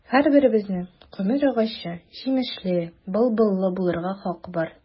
Һәрберебезнең гомер агачы җимешле, былбыллы булырга хакы бар.